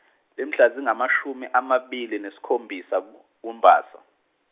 limhla zingamashumi amabili nesikhombisa ku-, kuMbasa.